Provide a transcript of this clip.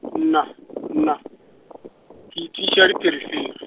nna, nna, ke iteša dipherefere.